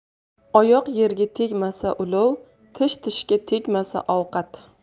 oyoq yerga tegmasa ulov tish tishga tegmasa ovqat